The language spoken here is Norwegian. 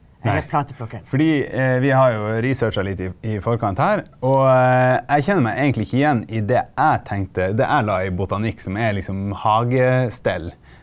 nei fordi vi har jo researcha litt i i forkant her, og jeg kjenner meg egentlig ikke igjen i det jeg tenkte det jeg la i botanikk som er liksom hagestell.